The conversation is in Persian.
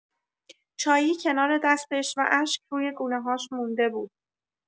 چایی کنار دستش و اشک روی گونه‌هاش مونده بود.